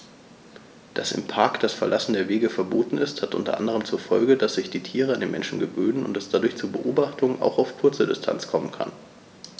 Dass im Park das Verlassen der Wege verboten ist, hat unter anderem zur Folge, dass sich die Tiere an die Menschen gewöhnen und es dadurch zu Beobachtungen auch auf kurze Distanz kommen kann.